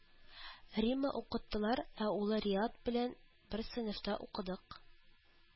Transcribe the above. Римма укыттылар, ә улы Риат белән бер сыйныфта укыдык